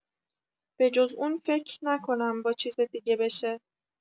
بجز اون فک نکنم با چیز دیگه بشه